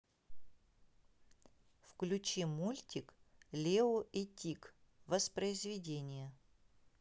включи мультик лео и тиг воспроизведение